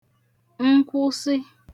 nkwụsị